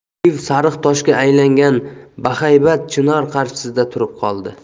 kiv sariq toshga aylangan bahaybat chinor qarshisida turib qoldi